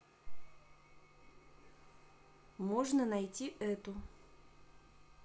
можно найти эту